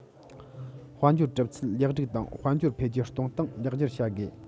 དཔལ འབྱོར གྲུབ ཚུལ ལེགས སྒྲིག དང དཔལ འབྱོར འཕེལ རྒྱས གཏོང སྟངས ལེགས འགྱུར བྱ དགོས